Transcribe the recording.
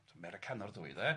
Americanwr dw i 'de.